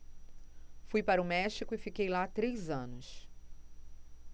fui para o méxico e fiquei lá três anos